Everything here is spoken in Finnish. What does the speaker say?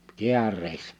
kääreissä